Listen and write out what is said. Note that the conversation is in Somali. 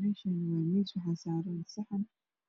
Meshani waa miis waxa saran saxan